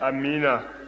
amiina